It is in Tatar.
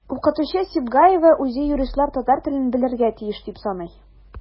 Укытучы Сибгаева үзе юристлар татар телен белергә тиеш дип саный.